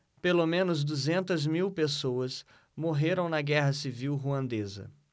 pelo menos duzentas mil pessoas morreram na guerra civil ruandesa